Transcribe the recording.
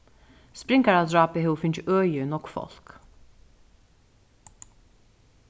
springaradrápið hevur fingið øði í nógv fólk